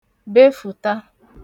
befụ̀ta